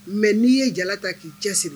Mɛ n'i ye jala ta k'i cɛ siri